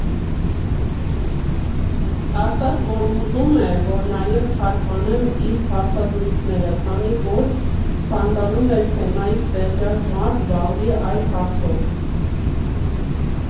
Ասաց, որ ուզում է, որ նաև թարգմանեմ իր հարցազրույցները, քանի որ ցանկանում էր թեմայից տեղյակ մարդ զբաղվի այդ հարցով։